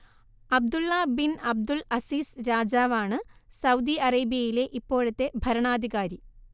Abdulla bin Abdul Aziz രാജാവാണ് Saudi അറേബ്യയിലെ ഇപ്പോഴത്തെ ഭരണാധികാരി